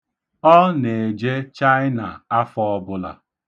Ọ na-eje Chaịna afọ ọbụla.